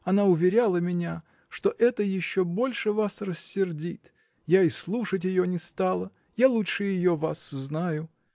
Она уверяла меня, что это еще больше вас рассердит я и слушать ее не стала я лучше ее вас знаю.